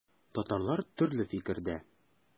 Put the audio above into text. Татарлар төрле фикердә.